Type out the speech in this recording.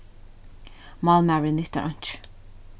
málmaðurin nyttar einki